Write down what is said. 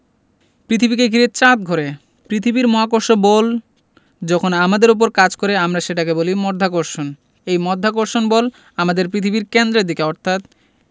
পৃথিবীকে ঘিরে চাঁদ ঘোরে পৃথিবীর মহাকর্ষ বল যখন আমাদের ওপর কাজ করে আমরা সেটাকে বলি মধ্যাকর্ষণ এই মধ্যাকর্ষণ বল আমাদের পৃথিবীর কেন্দ্রের দিকে অর্থাৎ